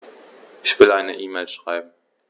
Ich will eine E-Mail schreiben.